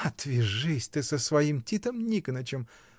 — Отвяжись ты со своим Титом Никонычем!